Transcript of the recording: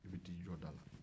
i bɛ t'i jɔ da la